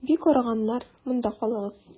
Бик арыганнар, монда калыгыз.